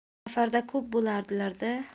safarda ko'p bo'lardilar da